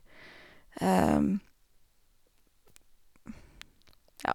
Ja.